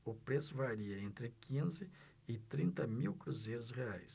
o preço varia entre quinze e trinta mil cruzeiros reais